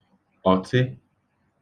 ọ̀tị